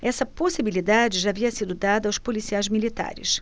essa possibilidade já havia sido dada aos policiais militares